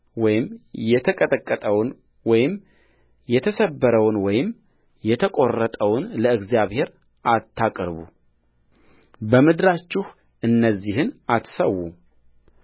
ወይም የተቀጠቀጠውን ወይም የተሰበረውን ወይም የተቈረጠውን ለእግዚአብሔር አታቅርቡ በምድራችሁም እነዚህን አትሠዉ